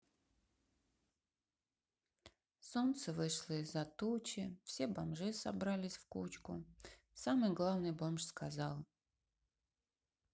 солнце вышло из за тучи все бомжи собрались в кучку самый главный бомж сказал